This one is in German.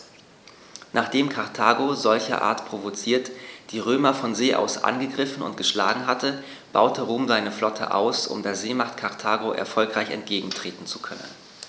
Nachdem Karthago, solcherart provoziert, die Römer von See aus angegriffen und geschlagen hatte, baute Rom seine Flotte aus, um der Seemacht Karthago erfolgreich entgegentreten zu können.